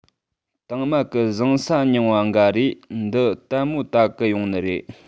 དང མ གི བཟང ས རྙིང བ འགའ རེ འདི ལྟད མོ ལྟ གི ཡོང ནི རེད